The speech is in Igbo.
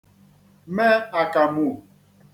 me àkàmù